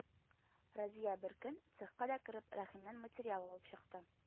Разия беркөн, цехка да кереп, Рәхимнән материал алып чыкты